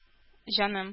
Җаным